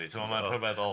Ti'mod, mae'n rhyfeddol.